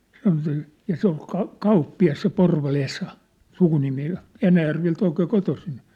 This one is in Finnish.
ja se oli - kauppias se Porvalin Esa sukunimi ja Enäjärveltä oikein kotoisin